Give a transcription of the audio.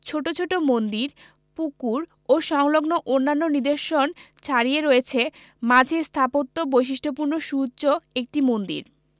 ছোট ছোট মন্দির পুকুর ও সংলগ্ন অন্যান্য নিদর্শন ছাড়িয়ে রয়েছে মাঝে স্থাপত্য বৈশিষ্ট্যপূর্ণ সুউচ্চ একটি মন্দির